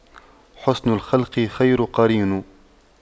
حُسْنُ الخلق خير قرين